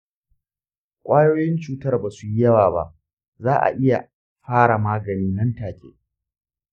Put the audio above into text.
kwayoyin cutar ba su yi yawa ba, za a iya fara magani nan take.